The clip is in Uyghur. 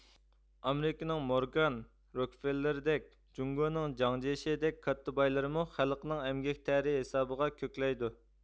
ئامېرىكىنىڭ مورگان روكفېللېردەك جۇڭگونىڭ جياڭجيېشىدەك كاتتا بايلىرىمۇ خەلقنىڭ ئەمگەك تەرى ھېسابىغا كۆكلەيدۇ